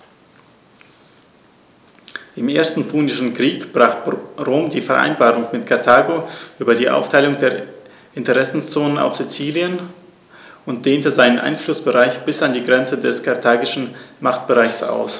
Im Ersten Punischen Krieg brach Rom die Vereinbarung mit Karthago über die Aufteilung der Interessenzonen auf Sizilien und dehnte seinen Einflussbereich bis an die Grenze des karthagischen Machtbereichs aus.